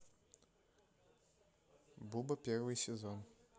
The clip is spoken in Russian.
буба первый сезон